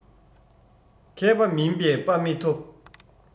མཁས པ མིན པས དཔའ མི ཐོབ